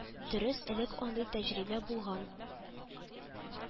Дөрес, элек андый тәҗрибә булган